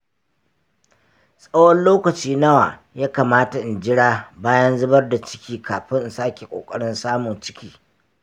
tsawon lokaci nawa ya kamata in jira bayan zubar da ciki kafin in sake ƙoƙarin samun ciki?